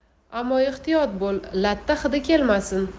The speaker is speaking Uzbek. ammo ehtiyot bo'l latta hidi kelmasin